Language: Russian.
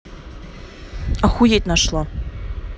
ахуеть нашла